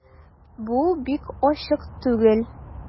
Бу бик ачык түгел...